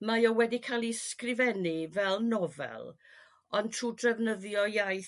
mae o wedi cael 'i sgrifennu fel nofel ond trw' drefnyddio iaith